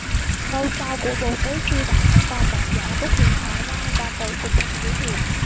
ngôi sao của bộ tứ siêu đẳng còn mạnh dạn rút điện thoại ra và tự chụp hình kỷ niệm